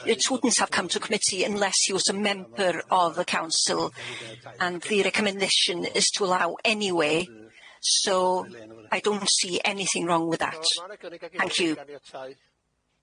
It wouldn't have come to committee unless he was a member of the council and the recommendation is to allow anyway so I don't see anything wrong with that. Thank you.